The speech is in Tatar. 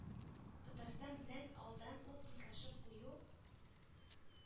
Татарстан белән алдан ук дуслашып кую